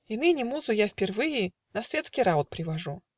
И ныне музу я впервые На светский раут привожу